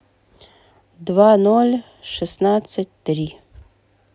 два ноль шестнадцать три